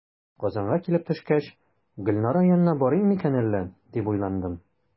Казанга килеп төшкәч, "Гөлнара янына барыйм микән әллә?", дип уйландым.